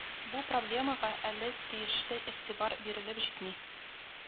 Бу проблемага әле тиешле игътибар бирелеп җитми